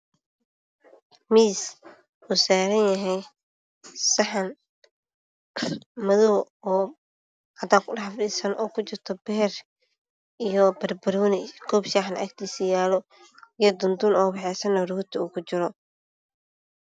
Miis u saranyahay saxan madoow oo cadan ku dhex fidsan iyo beer iyo barbarooni kob shaxna agtisa yaalo geed wxeysan oo dunduna rooti uu ku juro